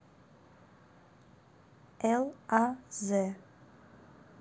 л а з